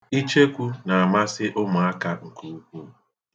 Icheku na-amasị ụmụaka nke ukwuu.